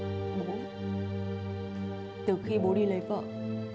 bố từ khi bố đi lấy vợ